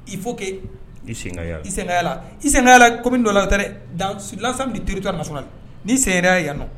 I fo kɛ ni senya i senla i sen kɔmi dɔ la dalasa to na ni senya yan nɔ